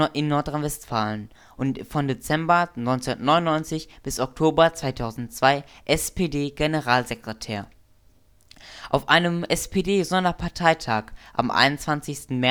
in Nordrhein-Westfalen. und von Dezember 1999 bis Oktober 2002 SPD-Generalsekretär. Auf einem SPD-Sonderparteitag am 21.